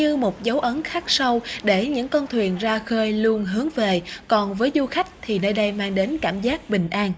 như một dấu ấn khắc sâu để những con thuyền ra khơi luôn hướng về còn với du khách thì nơi đây mang đến cảm giác bình an